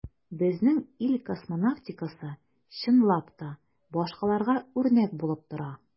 Безнең ил космонавтикасы, чынлап та, башкаларга үрнәк булып тора.